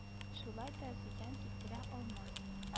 Шулай да зыян китерә алмас